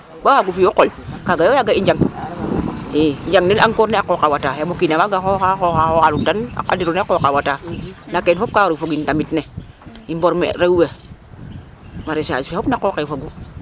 Ba waago fi' o qol kaaga yo yaga i njang i njangnel encore ne a qooq a wata yaam o kiin a waaga xooxaa, xooxaa lultan andiro ne a qooq a wata ndaa kene fop ka war o fog no ndamit ne i mborme rew we maraichage fe fop na qooq ale fogu .